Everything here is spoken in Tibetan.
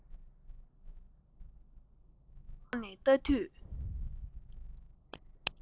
ཡར བླངས ནས ལྟ དུས